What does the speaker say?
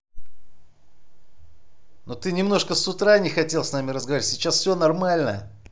ну ты немножко с утра не хотел с нами разговаривать сейчас все нормально